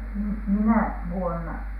- minä vuonna